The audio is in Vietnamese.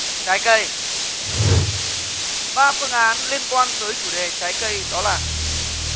trái cây ba phương án liên quan tới chủ đề trái cây đó là